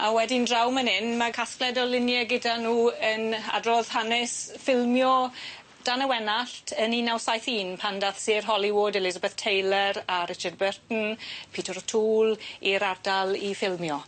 A wedyn draw man 'yn ma' casgled o lunie gyda nw yn adrodd hanes ffilmio Dan y Wenallt yn un naw saith un pan dath ser Hollywood Elizabeth Taylor a Richard Burton Peter O'Toole i'r ardal i ffilmio.